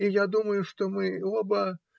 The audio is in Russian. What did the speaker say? И я думаю, что мы оба.